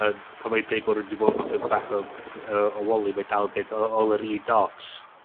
yn, pan ma' 'i'n deud bo nw 'di bod yn bach o o walli mae dal yn deud o ôl yr i dots.